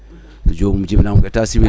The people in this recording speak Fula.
so jomum jibinama ko état civil